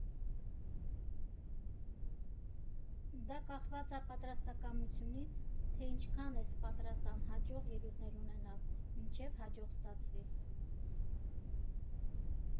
Դա կախված ա պատրաստակամությունից, թե ինչքան ես պատրաստ անհաջող ելույթներ ունենալ, մինչև հաջող ստացվի ։